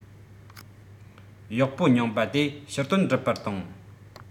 གཡོག པོ རྙིང པ དེ ཕྱིར དོན སྒྲུབ པར བཏང